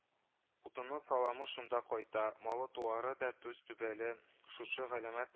Утыны-саламы шунда кайта, малы-туары да төз түбәле шушы галәмәт